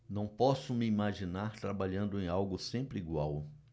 não posso me imaginar trabalhando em algo sempre igual